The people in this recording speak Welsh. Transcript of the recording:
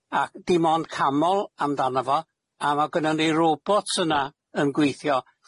a dim ond canmol amdano fo. A ma' gynnon ni robot yna yn gweithio.